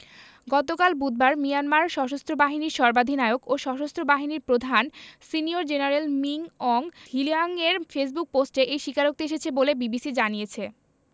গতকাল বুধবার মিয়ানমার সশস্ত্র বাহিনীর সর্বাধিনায়ক ও সশস্ত্র বাহিনীর প্রধান সিনিয়র জেনারেল মিন অং হ্লিয়াংয়ের ফেসবুক পোস্টে এই স্বীকারোক্তি এসেছে বলে বিবিসি জানিয়েছে